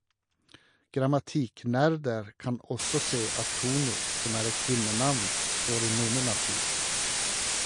Grammatikknerder kan også se at Thorni , som er et kvinnenavn, står i nominativ.